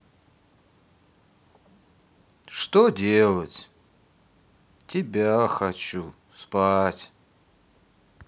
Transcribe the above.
что делать тебя хочу спать